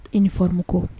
I ni fɔ ko